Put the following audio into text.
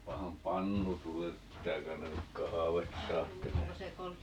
panehan pannu tulelle pitää käydä nyt kahvia ajattelemaan